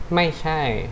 ไม่ใช่